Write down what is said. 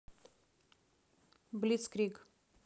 блиц криг